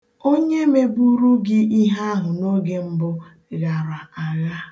Onye mebuuru gị ihe ahụ n'oge mbụ, ghara agha.